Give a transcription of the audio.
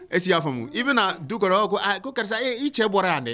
E y'a faamuyamu i bɛna du kɔnɔ ko karisa e' cɛ bɔra yan dɛ